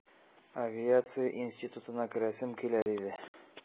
Авиация институтына керәсем килә, диде...